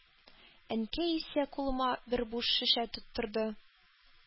Әнкәй исә кулыма бер буш шешә тоттырды.